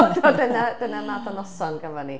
So, dyna, dyna y math o noson gafon ni.